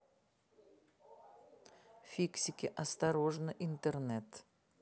фиксики осторожно интернет